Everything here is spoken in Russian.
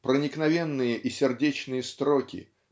проникновенные и сердечные строки